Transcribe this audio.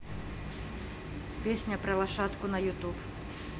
песня про лошадку на ютуб